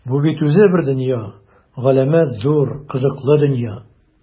Бу бит үзе бер дөнья - галәмәт зур, кызыклы дөнья!